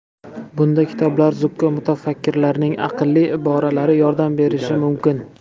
bunda kitoblar zukko mutafakkirlarning aqlli iboralari yordam berishi mumkin